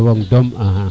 te lewong dom